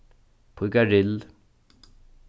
píkarill